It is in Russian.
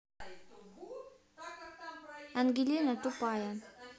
ангелина тупая